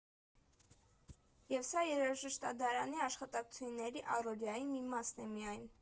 Եվ սա երաժշտադարանի աշխատակցուհիների առօրյայի մի մասն է միայն։